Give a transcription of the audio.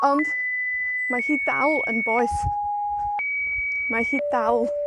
Ond mae hi dal yn boeth. Mae hi dal